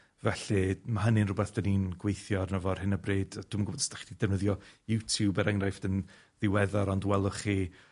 felly ma' hynny'n rwbath 'dan ni'n gweithio arno fo ar hyn o bryd. Yy dy- dwi'm yn gwbod os 'dach chi 'di defnyddio YouTube, er enghraifft, yn ddiweddar, ond welwch chi